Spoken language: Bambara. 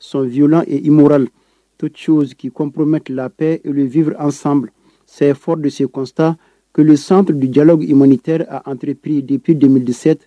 Sonylamo la to tu kporometilap l vvp ansan sɛf de sektan ki santu dunja' mɔniter anppidipdmidisɛte